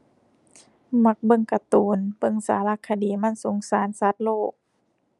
มักเบิ่งการ์ตูน เบิ่งสารคดีมันสงสารสัตว์โลก